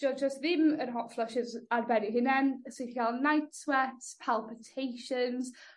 'Di o jys ddim yr hot flushes ar ben eu hunan ti gallu ca'l night sweats, palpatations.